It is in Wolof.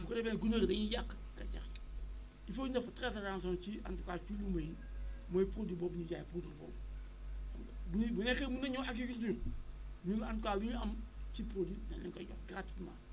bu ko defee gunóor yi dañuy yàq gàncax gi il faut ñu def très attention ci en tout cas ci luuma yi mooy produit boobu ñuy jaay poudre boobu xam nga bu ñuy bu nekkee mën nañoo ñëw agriculture ñun en tout cas lu ñu am ci produit dañ leen koy jox gratuitement